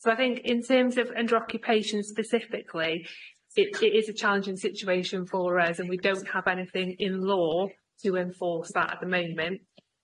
So I think in terms of under occupation specifically, it it is a challenging situation for us and we don't have anything in law to enforce that at the moment.